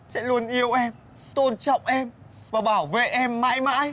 sẽ luôn yêu em tôn trọng em và bảo vệ em mãi mãi